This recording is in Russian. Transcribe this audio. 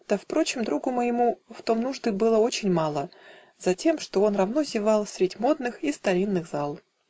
Да, впрочем, другу моему В том нужды было очень мало, Затем, что он равно зевал Средь модных и старинных зал.